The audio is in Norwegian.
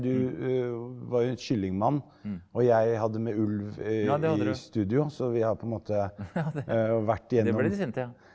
du var jo en kyllingmann og jeg hadde med ulv i studio så vi har på en måte vært igjennnom.